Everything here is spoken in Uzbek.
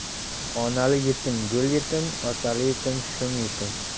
onali yetim gul yetim otali yetim shum yetim